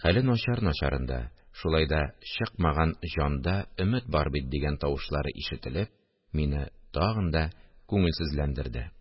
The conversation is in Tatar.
– хәле начар начарын да, шулай да чыкмаган җанда өмет бар бит, – дигән тавышлары ишетелеп, мине тагын да күңелсезләндерде